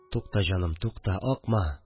Тукта, җаным, тукта, акма